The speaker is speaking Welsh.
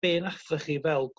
be natha chi fel